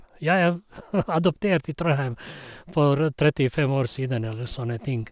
Jeg er adoptert i Trondheim for trettifem år siden, eller sånne ting.